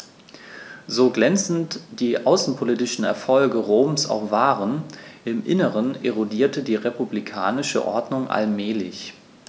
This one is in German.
So glänzend die außenpolitischen Erfolge Roms auch waren: Im Inneren erodierte die republikanische Ordnung allmählich.